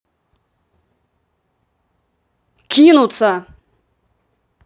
кинуться